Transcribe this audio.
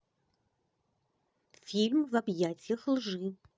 фильм в объятьях лжи